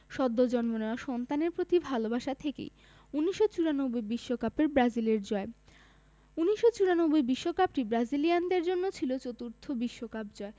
সদ্য জন্ম নেওয়া সন্তানের প্রতি ভালোবাসা থেকেই ১৯৯৪ বিশ্বকাপের ব্রাজিলের জয় ১৯৯৪ বিশ্বকাপটি ব্রাজিলিয়ানদের জন্য ছিল চতুর্থ বিশ্বকাপ জয়